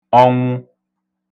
ọnwụ